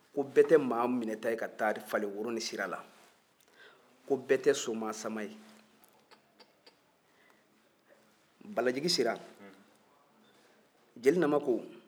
ko bɛɛ tɛ maa minɛta ye ka t'a falen woro ni sira la ko bɛɛ tɛ somaa sanba ye balajigi sera jeli nama ko